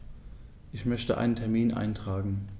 Ich möchte einen Termin eintragen.